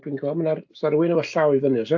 Dwi'n gweld ma' 'na... oes na rywun efo llaw i fyny oes 'a?